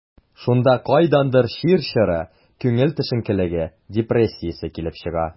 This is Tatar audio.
Шунда кайдандыр чир чоры, күңел төшенкелеге, депрессиясе килеп чыга.